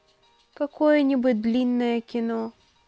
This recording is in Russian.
какое нибудь длинное кино